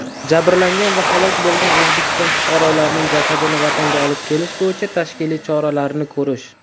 jabrlangan va halok bo'lgan o'zbekiston fuqarolarining jasadini vatanga olib kelish bo'yicha tashkiliy choralarni ko'rish